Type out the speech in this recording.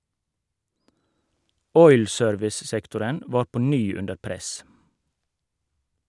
Oil service-sektoren var på ny under press.